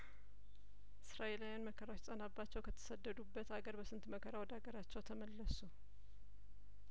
እስራኤላውያን መከራው ሲጸናባቸው ከተሰደዱበት አገር በስንት መከራ ወደ አገራቸው ተመለሱ